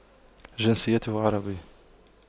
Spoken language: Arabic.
جنسيته عربية